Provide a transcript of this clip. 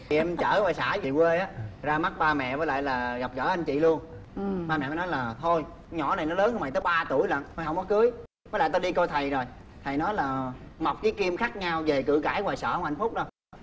thì em trở bà xã dề quê á ra mắt ba mẹ với lại là gặp gỡ anh chị luôn ba mẹ mới nói là thôi nhỏ này nó lớn hơn mày tới ba tuổi lận thôi hỏng có cưới với lại tao đi coi thầy rồi thầy nói là mộc dới kim khác nhau về cự cãi hoài sợ hổng hạnh phúc đâu